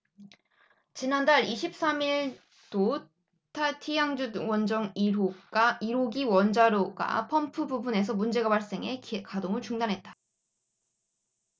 지난달 이십 삼 일도 티앙주 원전 일 호기 원자로가 펌프 부분에서 문제가 발생해 가동을 중단했다